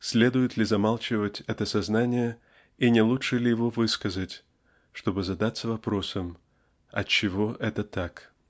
Следует ли замалчивать это сознание и не лучше ли его высказать чтобы задаться вопросом отчего это так?.